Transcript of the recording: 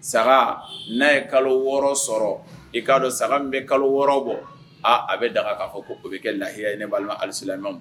Saga n'a ye kalo wɔɔrɔ sɔrɔ. i k'a dɔn saga min bɛ kalo wɔɔrɔ bɔ. aa a bɛ daga k'a fɔ ko o bɛ kɛ lahiya ye ne balima alsilamɛw.